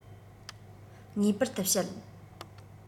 ངེས པར དུ བཤད